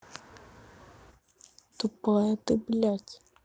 тупая ты блядь